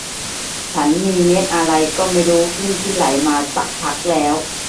ฉันมีเม็ดอะไรก็ไม่รู้ขึ้นที่ไหล่มาสักพักแล้ว